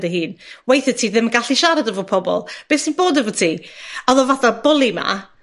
dy hun. Weithie ti ddim yn gallu siarad efo pobol. Beth sy'n bod efo ti? Oddo fatha bwlli 'ma.